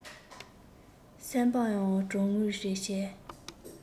སེམས པ ཡང གྲང འུར རེ བྱས